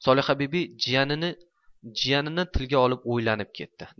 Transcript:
solihabibi jiyanini tilga olib o'ylanib ketdi